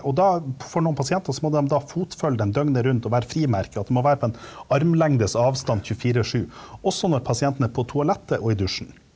og da for noen pasienter så må dem da fotfølge dem døgnet rundt og være frimerker at dem må være på en armlengdes avstand 24 sju, også når pasienten er på toalettet og i dusjen.